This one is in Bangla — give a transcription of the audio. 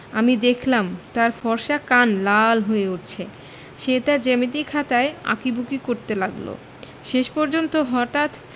আমি দেখলাম তার ফর্সা কান লাল হয়ে উঠছে সে তার জ্যামিতি খাতায় আঁকি বুকি করতে লাগলো শেষ পর্যন্ত হঠাৎ